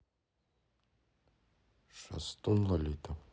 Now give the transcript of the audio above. шастун лолита